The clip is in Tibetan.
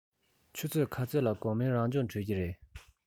ཆུ ཚོད ག ཚོད ལ དགོང མོའི རང སྦྱོང གྲོལ གྱི རེད